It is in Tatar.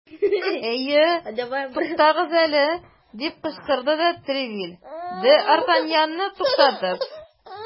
Әйе, тукагыз әле! - дип кычкырды де Тревиль, д ’ Артаньянны туктатып.